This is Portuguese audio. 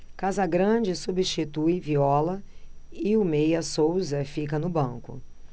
casagrande substitui viola e o meia souza fica no banco